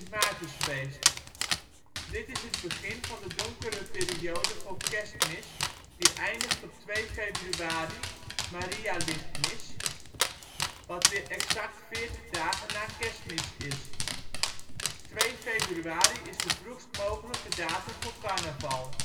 Maartensfeest). Dit is het begin van de donkere periode voor Kerstmis die eindigt op 2 februari Maria Lichtmis, wat weer exact 40 dagen na Kerstmis is. 2 februari is de vroegst mogelijke datum voor carnaval